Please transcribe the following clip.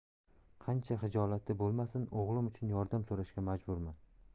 qancha xijolatli bo'lmasin o'g'lim uchun yordam so'rashga majburman